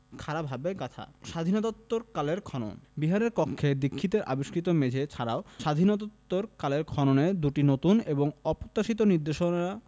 খাড়া ভাবে গাঁথা স্বাধীনতোত্তরকালের খননঃ বিহারের কক্ষে দীক্ষিতের আবিষ্কৃত মেঝে ছাড়াও স্বাধীনতোত্তর কালের খননে দুটি নতুন এবং অপ্রত্যাশিত নিদর্শন